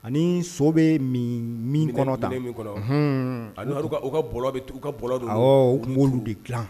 Ani so bɛ min kɔnɔ min kɔnɔ ta, minɛn min kɔnɔ, unuhn ' u ka bɔlɔ bɛ turu awɔ u tun b'o de dilan